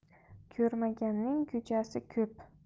ko'rmaganning ko'chasi ko'p